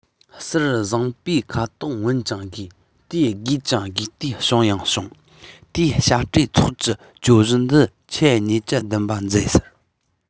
གསེར བཟང པོའི ཁ དོག ངོམས ཀྱང དགོས དེ དགོས ཀྱང དགོས ཏེ བྱུང ཡང བྱུང ངེས བྱ སྤྲེལ ཚོགས ཀྱི གྱོད གཞི འདི ཁྱེད གཉིས ཀྱིས སྡུམ པ མཛད ཟེར ན